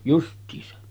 justiinsa